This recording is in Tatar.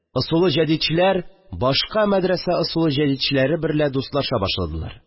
Ысулы җәдидчеләр башка мәдрәсә ысул җәдидчеләре берлә дустлаша башладылар